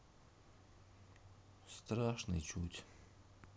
страшный чуть